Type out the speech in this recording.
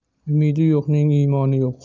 umidi yo'qning imoni yo'q